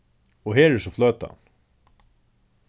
og her er so fløtan